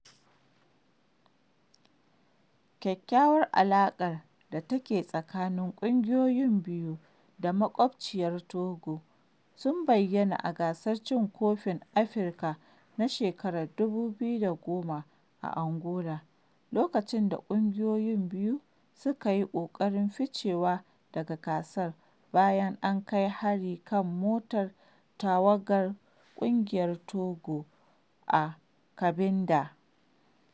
Ƙwaƙƙwarar alaƙar da take tsakanin ƙungiyoyin biyu da maƙwabciyar Togo sun bayyana a Gasar Cin Kofin Afirka na 2010 a Angola, lokacin da ƙungiyoyin biyu suka yi ƙoƙarin ficewa daga gasar bayan an kai hari kan motar tawagar ƙungiyar Togo a Cabinda.